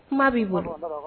Kuma b'i bolo